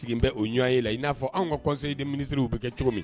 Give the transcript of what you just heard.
Sigilen bɛ o ɲɔgɔn ye la i n'a fɔ anw ka kɔsɔnden minisiriw bɛ kɛ cogo min